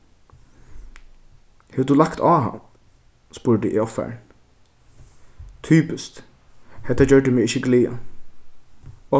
hevur tú lagt á hann spurdi eg ovfarin typiskt hetta gjørdi meg ikki glaðan